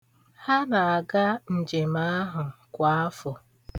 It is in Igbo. Ha na-aga njem ahụ kwa afọ.